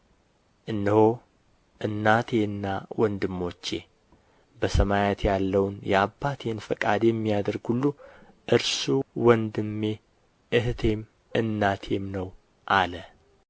እነሆ እናቴና ወንድሞቼ በሰማያት ያለውን የአባቴን ፈቃድ የሚያደርግ ሁሉ እርሱ ወንድሜ እኅቴም እናቴም ነውና አለ